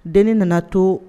Den nana to